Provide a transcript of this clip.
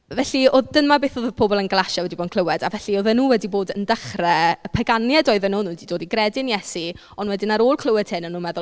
Felly oedd... dyma beth oedd y pobl yn Galatia wedi bod yn clywed a felly oedden nhw wedi bod yn dechrau... paganiaid oedden nhw 'di dod i gredu'n Iesu ond wedyn ar ôl clywed hyn o'n nhw'n meddwl